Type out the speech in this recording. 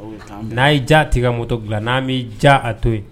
N'a ye ja tigɛ moto dilan n'a bɛ ja a to yen